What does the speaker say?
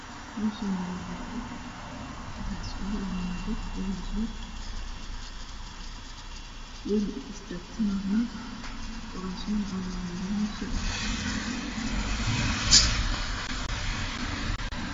Meeshaani waa barxad waxaa isugu imaaday dad waana xeeb wayna ag istaagsan yihiin kuraasman ayaa yaalo meesha